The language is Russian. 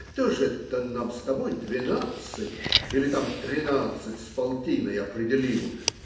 Кто же это нам с тобой двенадцать или там тринадцать с полтиной определил?